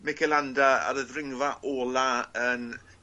Mikel Landa ar y ddringfa ola yn